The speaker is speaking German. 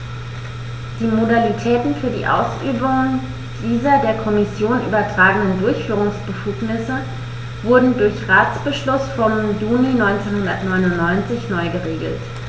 Die Modalitäten für die Ausübung dieser der Kommission übertragenen Durchführungsbefugnisse wurden durch Ratsbeschluss vom Juni 1999 neu geregelt.